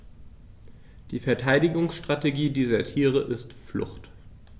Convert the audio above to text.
Die Verteidigungsstrategie dieser Tiere ist Flucht.